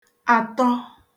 àtọ